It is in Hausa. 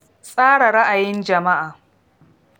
Tsara Ra'ayin Jama'a